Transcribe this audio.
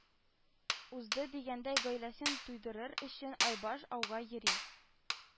Узды дигәндәй, гаиләсен туйдырыр өчен айбаш ауга йөри